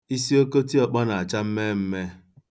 Isi okotiọkpọ na-acha mmemme.